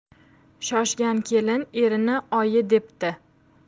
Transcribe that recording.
shoshgan kelin erini oyi debdi